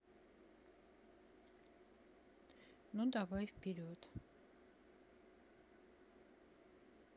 ну давай вперед